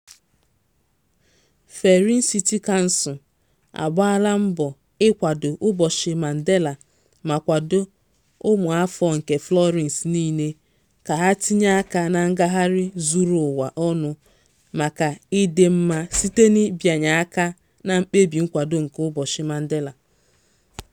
Firenze City Council agbaala mbọ ịkwado Ụbọchị Mandela ma kwado ụmụafọ nke Florence niile ka ha tinye aka na ngagharị zuru ụwa ọnụ maka ịdị mma site n'ịbịanye aka na mkpebi nkwado nke Ụbọchị Mandela.